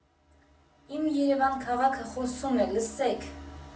Իմ Երևան Քաղաքը խոսում է, լսեք։